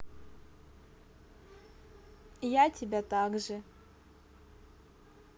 я тебе так же